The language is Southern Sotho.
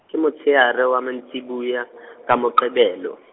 ke motsheare wa mantsiboya , ka Moqebelo.